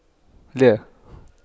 لا